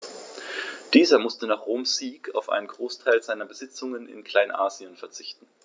Dieser musste nach Roms Sieg auf einen Großteil seiner Besitzungen in Kleinasien verzichten.